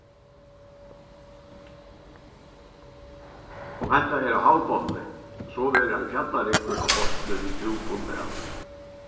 um hetta er á havbotni so verður ein fjallaryggur á botni við djúpum dali